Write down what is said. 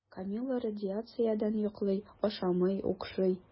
Камилла радиациядән йоклый, ашамый, укшый.